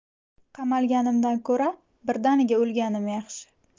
qamalganimdan ko'ra birdaniga o'lganim yaxshi